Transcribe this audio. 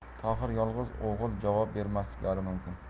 tohir yolg'iz o'g'il javob bermasliklari mumkin